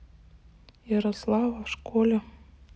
ярослава в школе